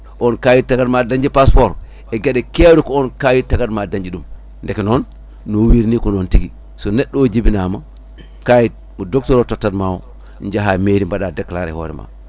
on kayit tagatma dañde passeport e gueɗe kewɗe ko on kayit tagatma dañde ɗum deke noon no wirini ko noon tigui so neɗɗo o jibinama kayit ɗmo docteur tottat ma o jaaha mairie mbaɗa déclaré hoorema